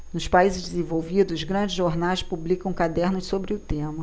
nos países desenvolvidos os grandes jornais publicam cadernos sobre o tema